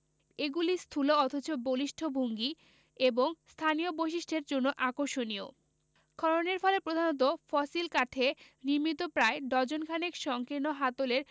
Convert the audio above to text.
এগুলি স্থূল অথচ বলিষ্ঠ ভঙ্গি এবং স্থানীয় বৈশিষ্ট্যের জন্য আকর্ষণীয় খননের ফলে প্রধানত ফসিল কাঠে নির্মিত প্রায় ডজন খানেক সঙ্কীর্ণ হাতলের